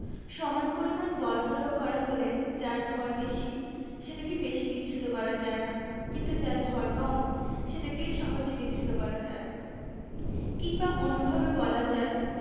সমান পরিমাণ বল প্রয়োগ করা হলে যার ভর বেশি সেটাকে বেশি বিচ্যুত করা যায় না কিন্তু যার ভয় কম সেটাকে সহজে বিচ্যুত করা যায় কিংবা অন্যভাবে বলা যায়